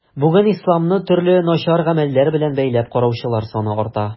Бүген исламны төрле начар гамәлләр белән бәйләп караучылар саны арта.